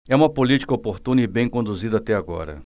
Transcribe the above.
é uma política oportuna e bem conduzida até agora